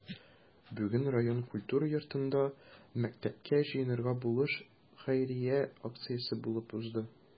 Бүген район культура йортында “Мәктәпкә җыенырга булыш” хәйрия акциясе булып узды.